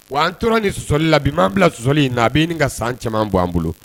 Wa an tora ni sɔsɔli la .Bi m'an bila sɔsɔli in na, a bɛ ɲininka ka san caaman bɔ an bolo.